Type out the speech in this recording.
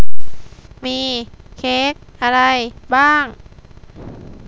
มีเค้กอะไรบ้าง